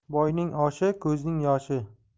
boyning oshi ko'zning yoshi